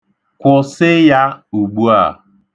Kwụsị ya ugbua!